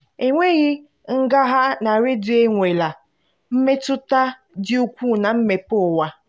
Enwenghị mgagha na redio enweela mmetụta dị ukwuu na mmepe ụwa.